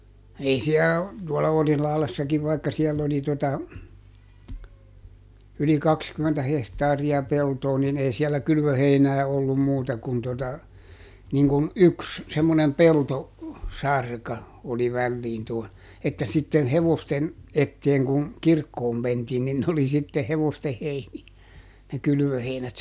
ei siellä tuolla Orilahdessakin vaikka siellä oli tuota yli kaksikymmentä hehtaaria peltoa niin ei siellä kylvöheinää ollut muuta kuin tuota niin kun yksi semmoinen - peltosarka oli väliin tuon että sitten hevosten eteen kun kirkkoon mentiin niin oli sitten hevosten heiniä ne kylvöheinät